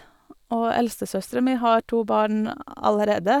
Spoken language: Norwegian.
Og eldstesøstera mi har to barn allerede.